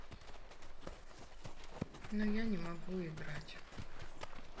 но я не могу играть